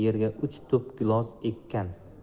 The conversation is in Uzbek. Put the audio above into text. yerga uch tup gilos ekkan